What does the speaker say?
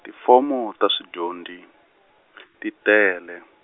tifomo ta swidyondzi, ti tele.